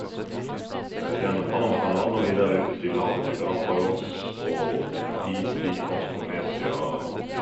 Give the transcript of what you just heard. Gjennom Panamakanalen og videre ut i Stillehavet til Galapagos og til Tahiti, Fransk Polynesia, ja.